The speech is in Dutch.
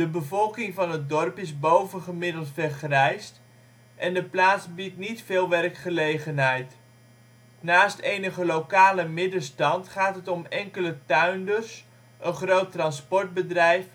bevolking van het dorp is bovengemiddeld vergrijsd en de plaats biedt niet veel werkgelegenheid; naast enige lokale middenstand gaat het om enkele tuinders, een groot transportbedrijf